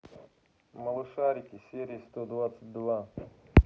малышарики серия сто двадцать два